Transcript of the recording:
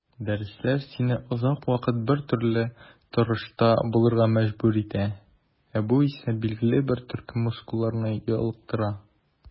Дәресләр сине озак вакыт бертөрле торышта булырга мәҗбүр итә, ә бу исә билгеле бер төркем мускулларны ялыктыра.